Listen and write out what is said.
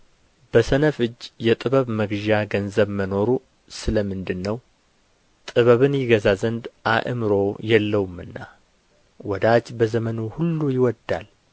በሰነፍ እጅ የጥበብ መግዣ ገንዘብ መኖሩ ስለ ምንድር ነው ጥበብን ይገዛ ዘንድ አእምሮ የለውምና ወዳጅ በዘመኑ ሁሉ ይወድዳል